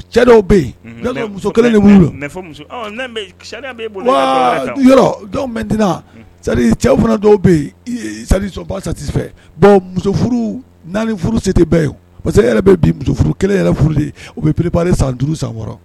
Cɛ dɔw bɛ yen muso kelen yɔrɔ dɔwt cɛw fana dɔw bɛ yen bon muso naani furu sen tɛ bɛɛ parce que yɛrɛ bɛ bi muso furu kelen yɛrɛ furu de u bɛ ppri san duuru san wɔɔrɔ